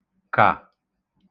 kà